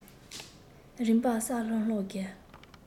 རིམ པར གསལ ལྷང ལྷང གི